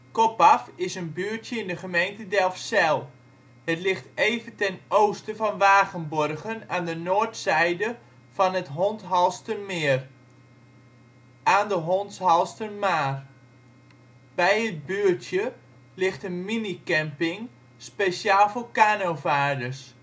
Kopaf is een buurtje in de gemeente Delfzijl. Het ligt even ten oosten van Wagenborgen aan de noordzijde van het Hondshalstermeer, aan de Hondshalstermaar. Bij het buurtje ligt een minicamping, speciaal voor kanovaarders